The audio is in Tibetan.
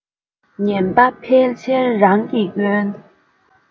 ངན པ ཕལ ཆེར རང གི སྐྱོན